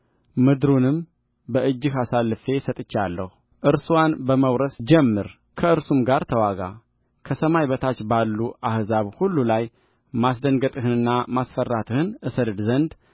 ምድሩንም በእጅህ አሳልፌ ሰጥቼሃለሁ እርስዋን በመውረስ ጀምር ከእርሱም ጋር ተዋጋከሰማይ በታች ባሉ አሕዛብ ሁሉ ላይ ማስደንገጥህንና ማስፈራትህን እሰድድ ዘንድ